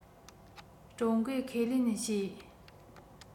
ཀྲུང གོས ཁས ལེན བྱོས